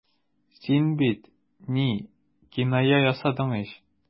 Син бит... ни... киная ясадың ич.